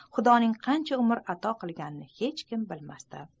xudoning qancha umr ato qilganini hech kim bilmas edi